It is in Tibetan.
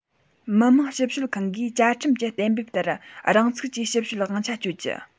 མི དམངས ཞིབ དཔྱོད ཁང གིས བཅའ ཁྲིམས ཀྱི གཏན འབེབས ལྟར རང ཚུགས ཀྱིས ཞིབ དཔྱོད དབང ཆ སྤྱོད རྒྱུ